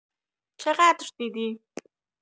چقدر دیدی؟